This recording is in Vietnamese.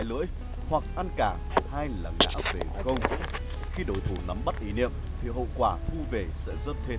hoặc ăn cả hai là ngã về không khi đối thủ nắm bắt ý niệm thì hậu quả thu về sẽ rất thê thảm